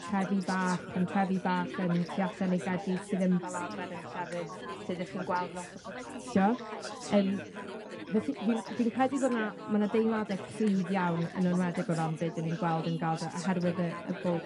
trefi bach yn trefi bach yn tu allan i Gawrdydd sy ddim fel arfer yn llefydd lle 'dach chi'n gweld lot o protestio. Yym felly fi w- fi'n credu bo' 'na ma' 'na deimlade cryf iawn, yn enwedig o ran be' 'dyn ni'n gweld yn Gaza, oherwydd y y bwlch